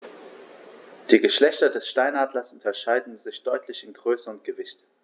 Die Geschlechter des Steinadlers unterscheiden sich deutlich in Größe und Gewicht.